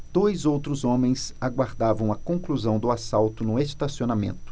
dois outros homens aguardavam a conclusão do assalto no estacionamento